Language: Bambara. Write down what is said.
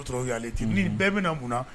Ko tubabuw yala Tintin. Ni bɛɛ bi na mun na?